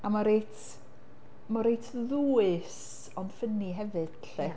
A mae reit, mae reit ddwys ond funny hefyd.